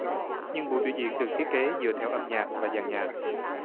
nhưng buổi biểu diễn được thiết kế dựa theo âm nhạc và dàn nhạc